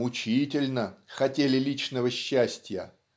мучительно" хотели личного счастья